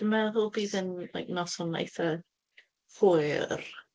Dwi'n meddwl bydd e'n like noson eitha hwyr.